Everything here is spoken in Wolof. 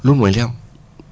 loolu mooy li am